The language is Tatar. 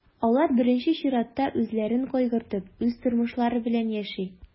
Алар, беренче чиратта, үзләрен кайгыртып, үз тормышлары белән яши.